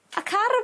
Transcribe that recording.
Ac ar y